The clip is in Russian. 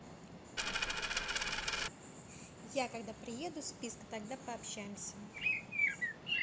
я когда приеду списка тогда пообщаемся